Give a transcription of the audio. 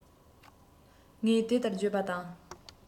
ངས འདི ལྟར བརྗོད པ དང